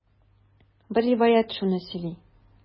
Бер риваять шуны сөйли.